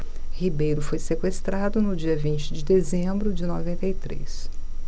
ribeiro foi sequestrado no dia vinte de dezembro de noventa e três